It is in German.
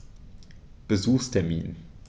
Besuchstermin